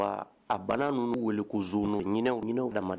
Waa a bana ninnu weele ko zoono ɲininw ɲinɛw dama